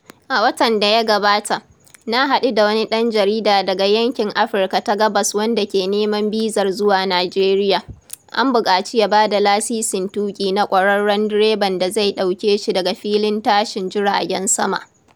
A watan da ya gabata, na haɗu da wani ɗan jarida daga yankin Afirka ta Gabas wanda ke neman bizar zuwa Nijeriya. An buƙaci ya ba da lasisin tuƙi na ƙwararren direban da zai ɗauke shi daga filin tashin jiragen sama!